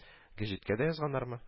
Гәҗиткә дә язганнармы